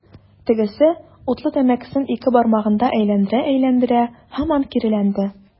Тегесе, утлы тәмәкесен ике бармагында әйләндерә-әйләндерә, һаман киреләнде.